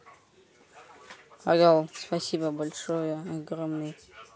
орел спасибо большой огромный